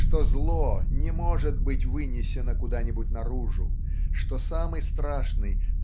что зло не может быть вынесено куда-нибудь наружу что самый страшный